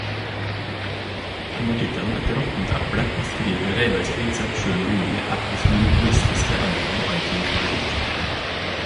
Under tittelen "Et råttent eple" beskriver Reidar Spigseth 7. juli Apples monopolistiske iPod- og iTunes-politikk.